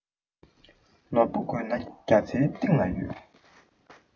ནོར བུ དགོས ན རྒྱ མཚོའི གཏིང ལ ཡོད